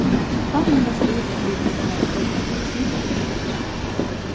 fann henda stíl herfyri saman við gomlum poesibókum